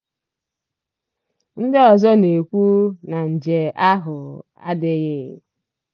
Ndị ọzọ na-ekwu na nje ahụ adịghị.